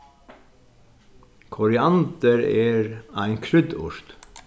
koriander er ein kryddurt